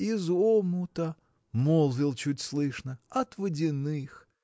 Из омута, – молвил чуть слышно, – от водяных.